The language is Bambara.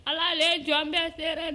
Ala le jɔn bɛɛ seere ye